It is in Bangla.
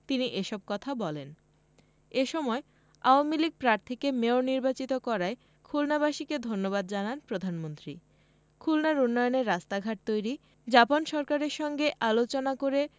তিনি এসব কথা বলেন এ সময় আওয়ামী লীগ প্রার্থীকে মেয়র নির্বাচিত করায় খুলনাবাসীকে ধন্যবাদ জানান প্রধানমন্ত্রী খুলনার উন্নয়নে রাস্তাঘাট তৈরি জাপান সরকারের সঙ্গে আলোচনা করে